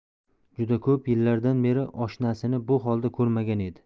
juda ko'p yillardan beri oshnasini bu holda ko'rmagan edi